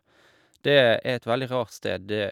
Det er et veldig rart sted, det...